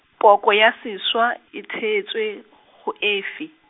poko ya sešwa, e theetswe, go efe?